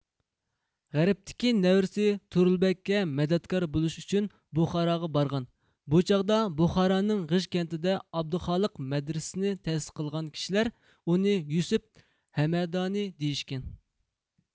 غەربتىكى نەۋرىسى تۇرۇلبەگكە مەدەتكار بولۇش ئۈچۈن بۇخاراغا بارغان بۇ چاغدا بۇخارانىڭ غىژ كەنتىدە ئابدۇخالىق مەدرىسىنى تەسىس قىلغان كىشىلەر ئۇنى يۈسۈپ ھەمەدانى دېيىشكەن